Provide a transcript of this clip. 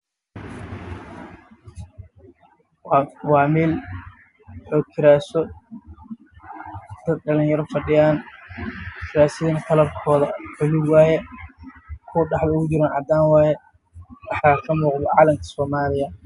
Waa calanka soomaaliya